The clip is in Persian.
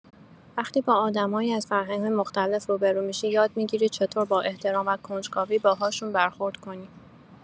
وقتی با آدمایی از فرهنگ‌های مختلف روبه‌رو می‌شی، یاد می‌گیری چطور با احترام و کنجکاوی باهاشون برخورد کنی.